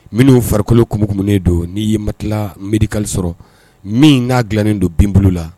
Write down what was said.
Minnu farikolo kumun kumunlen do n'i ye matélas médical sɔrɔ min n'a dilannen don bin bulu la.